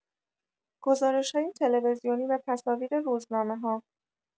گزارش‌های تلویزیونی و تصاویر روزنامه‌ها